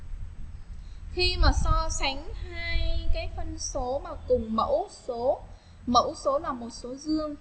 khi mà kho sánh hai cái phân số mà cùng mẫu số mẫu số là một số dương